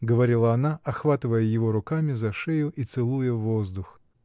— говорила она, охватывая его руками за шею и целуя воздух.